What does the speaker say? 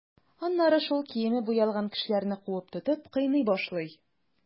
Аннары шул киеме буялган кешеләрне куып тотып, кыйный башлый.